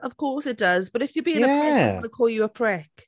Of course it does. But if you're being a prick... Ie!... I'm going to call you a prick.